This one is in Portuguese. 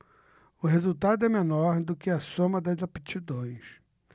o resultado é menor do que a soma das aptidões